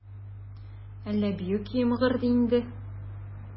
Әллә бию көе мыгырдый инде?